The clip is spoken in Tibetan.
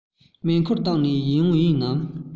མེ འཁོར བཏང ནས ཡོང ཡིན ནམ